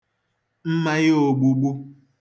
mmaị ōgbūgbū